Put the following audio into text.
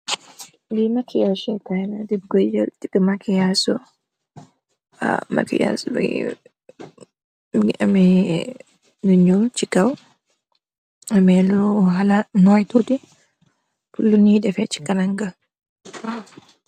Li makiyase Kaye la, deng koi jel di makiyaasu. Waaw, makiyaas bi mungi ameh lu nyul si kaw, ameh lu hala noye tuti, pur lu nye defe si kanam ga.